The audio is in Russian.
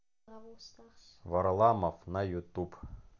варламов на ютуб